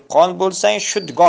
dehqon bo'lsang shudgor qil